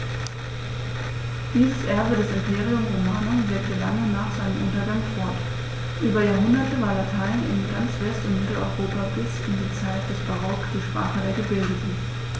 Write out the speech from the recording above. Dieses Erbe des Imperium Romanum wirkte lange nach seinem Untergang fort: Über Jahrhunderte war Latein in ganz West- und Mitteleuropa bis in die Zeit des Barock die Sprache der Gebildeten.